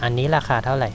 อันนี้ราคาเท่าไร